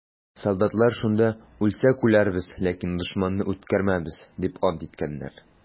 Солдатлар шунда: «Үлсәк үләрбез, ләкин дошманны үткәрмәбез!» - дип ант иткәннәр.